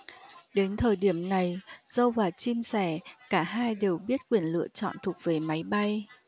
đến thời điểm này dâu và chim sẻ cả hai đều biết quyền lựa chọn thuộc về máy bay